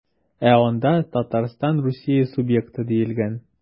Ә анда Татарстан Русия субъекты диелгән.